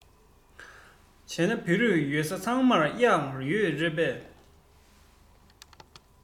བྱས ན བོད རིགས ཡོད ས ཚང མར གཡག ཡོད རེད པས